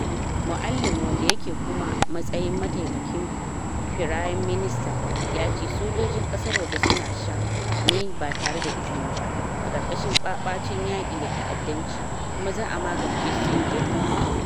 Moualem, wanda yake kuma matsayin mataimakin firayam minista, yace sojojin kasar wajen su na Sham ne ba tare da izini ba, a karkashin babatun yaki da ta’addanci, kuma “za’a magance su yadda ya kamata.”